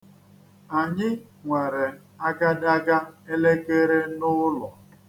Anyị nwere agadaga elekere n'ụlọ.